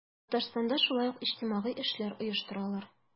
Татарстанда шулай ук иҗтимагый эшләр оештыралар.